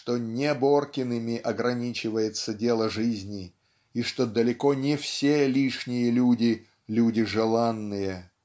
что не Боркиными ограничивается дело жизни и что далеко не все лишние люди люди желанные.